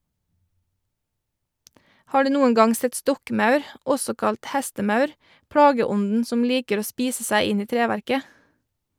Har du noen gang sett stokkmaur , også kalt hestemaur , plageånden som liker å spise seg inn i treverket?